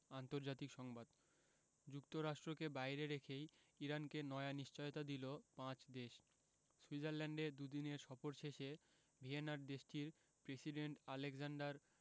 আন্তর্জাতিক সংবাদ যুক্তরাষ্ট্রকে বাইরে রেখেই ইরানকে নয়া নিশ্চয়তা দিল পাঁচ দেশ সুইজারল্যান্ডে দুদিনের সফর শেষে ভিয়েনায় দেশটির প্রেসিডেন্ট আলেক্সান্ডার